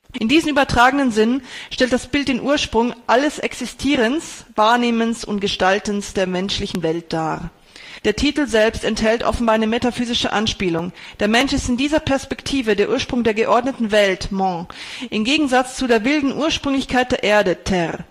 In diesem übertragenen Sinn stellt das Bild den „ Ursprung “alles Existierens, Wahrnehmens und Gestaltens der menschlichen Welt dar. Der Titel selbst enthält offenbar eine metaphysische Anspielung. Der Mensch ist in dieser Perspektive der Ursprung der geordneten „ Welt “(monde), im Gegensatz zu der wilden Ursprünglichkeit der „ Erde “(terre